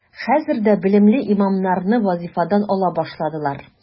Хәзер дә белемле имамнарны вазифадан ала башладылар.